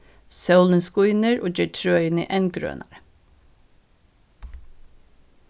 sólin skínur og ger trøini enn grønari